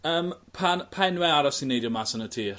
Yym pan- pa enwe arall sy'n neidio mas arnot ti...